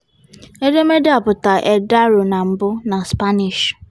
Edemede a pụtara na El Diario na mbụ, na Spanish.